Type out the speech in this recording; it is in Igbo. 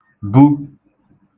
-bu